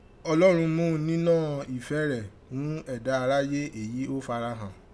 Ọlọrun mú ninọ́ ife Rẹ̀ ghún ẹdá aráyé èyí ó farahan